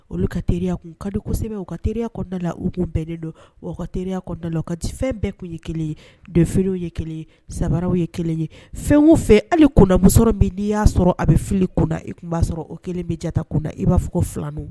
Olu ka teriya kun kadisɛbɛ o ka teriyada la u kun bɛɛnen don wa ka teriyada la ka di fɛn bɛɛ kun ye kelen ye defiw ye kelen sabaraww ye kelen ye fɛn o fɛ hali kundamuso min n'i y'a sɔrɔ a bɛ fili kunda i tun b'a sɔrɔ o kelen bɛ jata kunda i b'a fɔ ko filanin